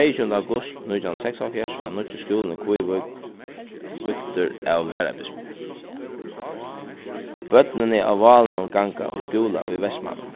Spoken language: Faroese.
tveyogtjúgunda august nítjan hundrað og seksoghálvfjerðs varð nýggi skúlin í kvívík vígdur av varabispi børnini á válinum ganga í skúla í vestmanna